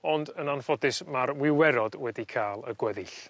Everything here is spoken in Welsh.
ond yn anffodus ma'r wiwerod wedi ca'l y gweddill.